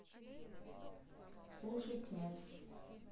слушай князь